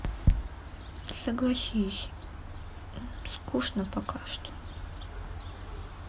согласись скучно пока что